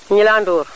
Gnilane Ndour